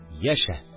Яшә